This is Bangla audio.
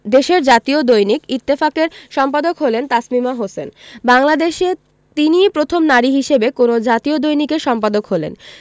দেশের জাতীয় দৈনিক ইত্তেফাকের সম্পাদক হলেন তাসমিমা হোসেন বাংলাদেশে তিনিই প্রথম নারী হিসেবে কোনো জাতীয় দৈনিকের সম্পাদক হলেন